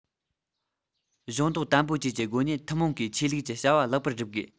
གཞོགས འདེགས དམ པོ བཅས ཀྱི སྒོ ནས ཐུན མོང གིས ཆོས ལུགས ཀྱི བྱ བ ལེགས པར སྒྲུབ དགོས